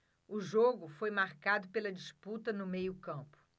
o jogo foi marcado pela disputa no meio campo